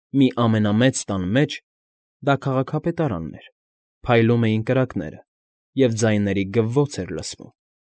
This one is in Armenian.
Մի ամենամեծ տան մեջ (դա քաղաքապետարանն էր) փայլում էին կրակները և ձայների գվվոց էր լսվում։